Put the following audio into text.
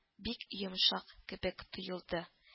Бик йомшак кебек тоелды